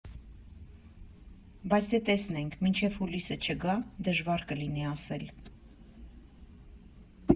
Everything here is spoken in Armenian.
Բայց դե տեսնենք, մինչև հուլիսը չգա, դժվար կլինի ասել։